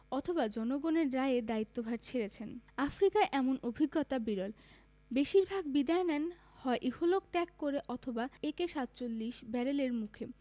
অথবা জনগণের রায়ে দায়িত্বভার ছেড়েছেন আফ্রিকায় এমন অভিজ্ঞতা বিরল বেশির ভাগ বিদায় নেন হয় ইহলোক ত্যাগ করে অথবা একে ৪৭ ব্যারেলের মুখে